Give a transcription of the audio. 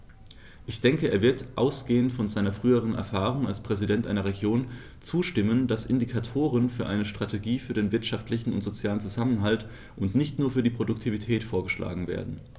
Ich denke, er wird, ausgehend von seiner früheren Erfahrung als Präsident einer Region, zustimmen, dass Indikatoren und eine Strategie für den wirtschaftlichen und sozialen Zusammenhalt und nicht nur für die Produktivität vorgeschlagen werden.